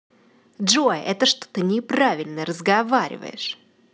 джой это что то неправильно разговариваешь